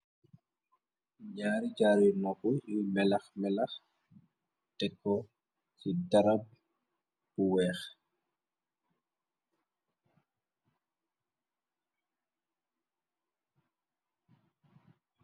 Jaari jaary nokuy melax, melax teko ci tarab bu weex.